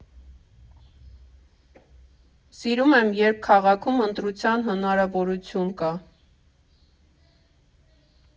Սիրում եմ, երբ քաղաքում ընտրության հնարավորություն կա։